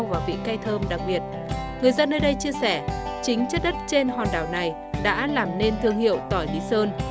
và vị cay thơm đặc biệt người dân nơi đây chia sẻ chính chất đất trên hòn đảo này đã làm nên thương hiệu tỏi lý sơn